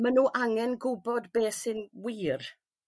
Ma' nw angen gwbod be' sy'n wir.